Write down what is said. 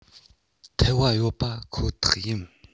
ཐལ བ ཡོད པ ཁོ ཐག ཡིན